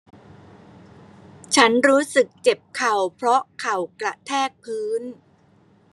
ฉันรู้สึกเจ็บเข่าเพราะเข่ากระแทกพื้น